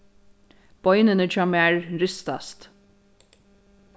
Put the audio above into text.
beinini hjá mær ristast